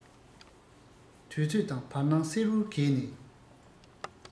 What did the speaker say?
དུས ཚོད དང བར སྣང སིལ བུར གས ནས